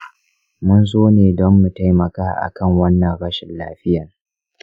munzo ne don mu taimaka akan wannan rashin lafiyar.